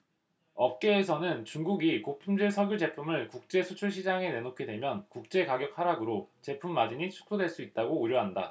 업계에서는 중국이 고품질 석유 제품을 국제 수출 시장에 내놓게 되면 국제가격 하락으로 제품 마진이 축소될 수 있다고 우려한다